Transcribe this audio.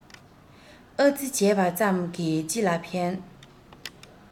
ཨ ཙི བྱས པ ཙམ གྱིས ཅི ལ ཕན